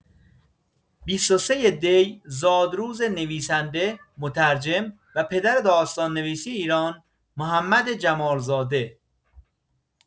۲۳ دی زادروز نویسنده، مترجم و پدر داستان‌نویسی ایران، محمدعلی جمالزاده.